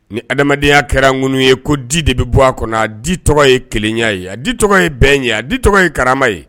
Ni adamadenyaya kɛra n ŋ ye ko di de bɛ bɔ a kɔnɔ di tɔgɔ ye kelenya ye di tɔgɔ ye bɛn ye di tɔgɔ ye kara ye